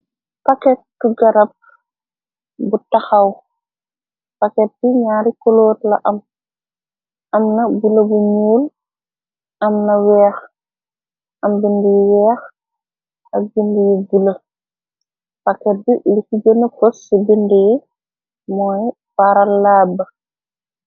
paketu garab bu taxaw paket di ñaari kuloot la am am na bule bu ñuul am na weex am bind yi yeex ak bind yi gule pakket b li ki gëna kos ci bind yi mooy paralaab